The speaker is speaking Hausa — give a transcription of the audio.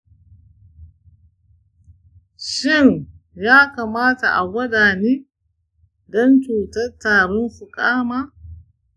shin ya kamata a gwada ni don cutar tarin fuka ma?